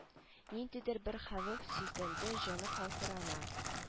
Ниндидер бер хәвеф сизгәндәй җаны калтырана